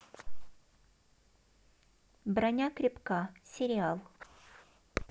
броня крепка сериал